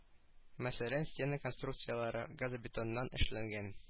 Мәсәлән стена конструкцияләры газобетоннан эшләнгән